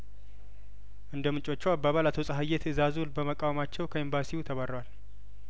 እንደ ምንጮቹ አባባል አቶ ጸሀዬ ትእዛዙን በመቃወማቸው ከኤምባሲው ተባረዋል